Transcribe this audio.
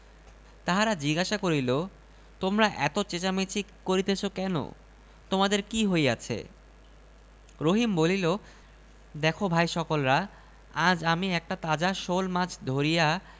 রহিম আশ্চর্য হইয়া মাছটি ধরিয়া লইয়া বাড়ি ফিরিয়া আসিল তারপর বউকে বলিল লাঙলের তলায় এই তাজা শোলমাছটি পাইলাম